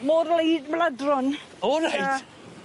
mor leid- mladron. O reit.